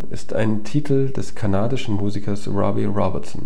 ist ein Titel des kanadischen Musikers Robbie Robertson